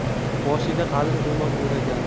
boshiga qalin ro'mol o'ragan